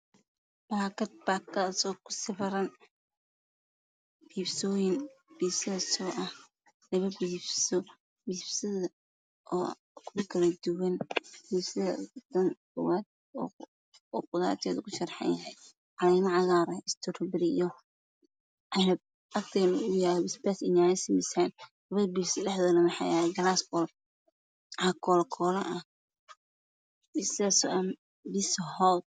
Baakad baakadkaas oo ku sawiran biidsooyin labo xabo ah oo ku kala duwan qudaarta qudaarta ku sharaxan tahay caleema cagaar ah istarotigi io ceeb agteeda yaalo basbaas io yaanyo shiidan labada biidso dhexdooda waxaa yaalo galas oo caag koolo koolq ah biidsadaas oo ah diis hoot